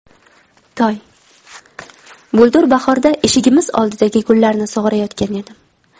toy bultur bahorda eshigimiz oldidagi gullarni sug'orayotgan edim